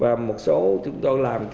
và một số chúng tôi làm